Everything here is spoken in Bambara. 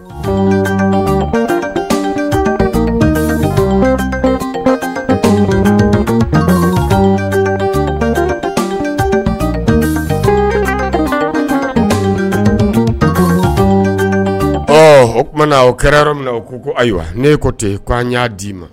O tumana kɛra yɔrɔ min u ko ko ayiwa ne ko ten' y'a d'i ma